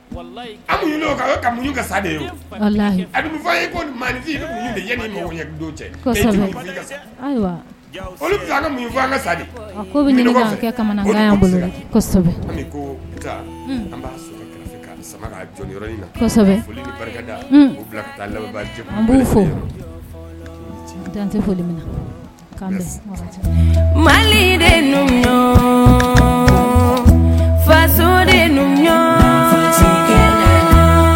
Mali faso numu